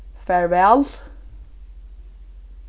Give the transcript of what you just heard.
farvæl